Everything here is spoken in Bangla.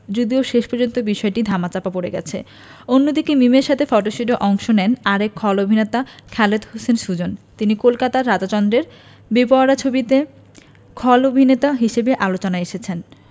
যদিও শেষ পর্যন্ত বিষয়টি ধামাচাপা পড়ে গেছে অন্যদিকে মিমের সাথে ফটশুটে অংশ নেন আরেক খল অভিনেতা খালেদ হোসেন সুজন যিনি কলকাতার রাজা চন্দের বেপরোয়া ছবিতে খল অভিননেতা হিসেবে আলোচনায় এসেছেন